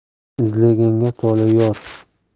izlaganga tole yor